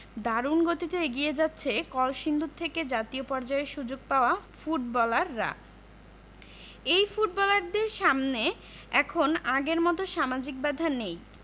দারুণ গতিতে এগিয়ে যাচ্ছে কলসিন্দুর থেকে জাতীয় পর্যায়ে সুযোগ পাওয়া ফুটবলাররা এই ফুটবলারদের সামনে এখন আগের মতো সামাজিক বাধা নেই